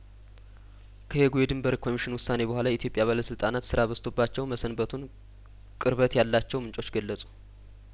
ከሄጉ የድንበር ኮሚሽን ውሳኔ በኋላ የኢትዮጵያ ባለስልጣናት ስራ በዝቶባቸው መሰንበቱን ቅርበትያላቸው ምንጮች ገለጹ